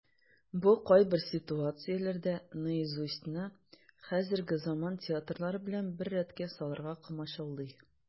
Бу кайбер ситуацияләрдә "Наизусть"ны хәзерге заман театрылары белән бер рәткә салырга комачаулый.